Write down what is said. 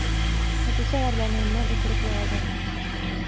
Әтисе гарьләнүеннән үкереп елады.